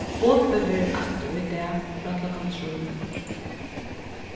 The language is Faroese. opið verður aftur í dag frá klokkan trý